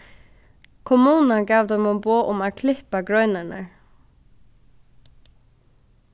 kommunan gav teimum boð um at klippa greinarnar